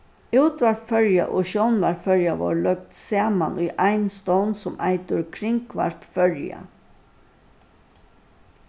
útvarp føroya og sjónvarp føroya vórðu løgd saman í ein stovn sum eitur kringvarp føroya